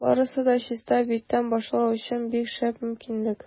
Барысын да чиста биттән башлау өчен бик шәп мөмкинлек.